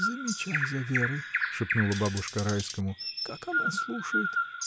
— Замечай за Верой, — шепнула бабушка Райскому, — как она слушает!